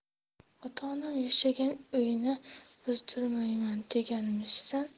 ota onam yashagan uyni buzdirmayman deganmishsan